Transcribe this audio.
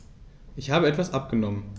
Ich habe etwas abgenommen.